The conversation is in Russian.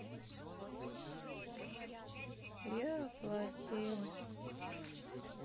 я оплатил